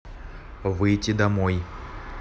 выйти домой